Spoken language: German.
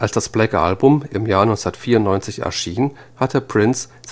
das Black Album im Jahr 1994 erschien, hatte Prince